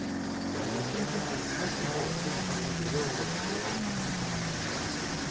그래서 칠십 오 팔십 오 그 이상으로 늘려온 것이고요